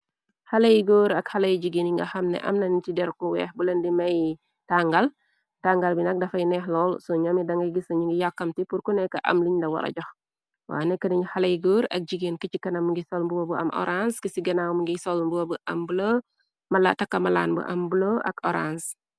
Xale yu góor ak xale yu jigee ni nga xam ne am na nit ci der ku weex bu lendi mey tangal tangal bi nag dafay neex lool so ñomi danga gissa ñu ngi yàkkamti pur ku nekka am liñ da wara jox waa nekk na ñ xaley gór ak jigeen këcci kanam ngiy sol mboo bu am orange ki ci ganaaw mngiy solmboo bu am b mala takkamalaan bu am bule ak orance.